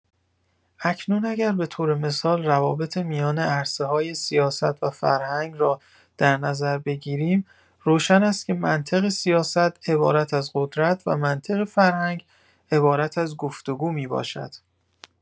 اکنون اگر به‌طور مثال روابط میان عرصه‌های سیاست و فرهنگ را در نظر بگیریم روشن است که منطق سیاست عبارت از «قدرت» و منطق فرهنگ عبارت از «گفت‌و‌گو» می‌باشد.